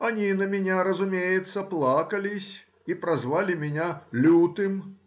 они на меня, разумеется, плакались и прозвали меня лютым